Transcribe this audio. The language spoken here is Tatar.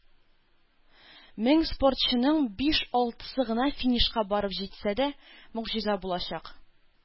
Мең спортчының биш-алтысы гына финишка барып җитсә дә, могҗиза булачак.